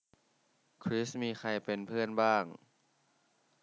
คริสมีใครเป็นเพื่อนบ้าง